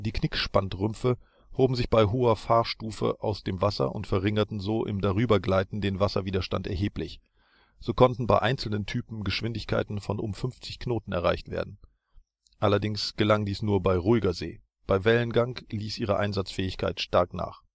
Knickspantrümpfe hoben sich bei hoher Fahrtstufe aus dem Wasser und verringerten so im Darübergleiten den Wasserwiderstand erheblich. So konnten bei einzelnen Typen Geschwindigkeiten von um 50 kn erreicht werden, allerdings gelang dies nur bei ruhiger See. Bei Wellengang ließ ihre Einsatzfähigkeit stark nach